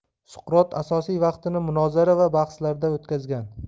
suqrot asosiy vaqtini munozara va bahslarda o'tkazgan